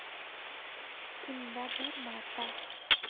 kunda bir marta